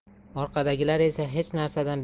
orqadagilar esa hech narsadan